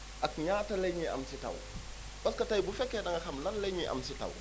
ak ñaata la ñuy am si taw parce que tey bu fekkee da nga xam lan la ñuy am si taw